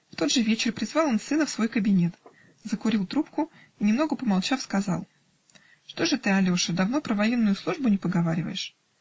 В тот же вечер призвал он сына в свой кабинет, закурил трубку и, немного помолчав, сказал: "Что же ты, Алеша, давно про военную службу не поговариваешь?